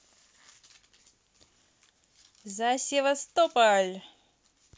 за севастополь